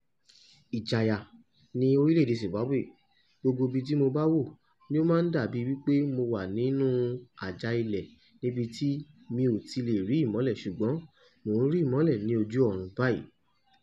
Ìjìyà ní orílẹ̀ èdè Zimbabwe, gbogbo ibi tí mo bá wò ni ó máa ń dàbí wípé mo wà nínú ọ̀nà-àjà-ilẹ̀ níbi tí mi ò ti lè rí ìmọ́lẹ̀ ṣùgbọ́n, mo ń rí ìmọ́lẹ̀ ní ojú ọ̀run báyìí.